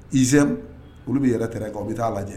Iz olu bɛ yɛrɛ tɛɛrɛ u bɛ taa a lajɛ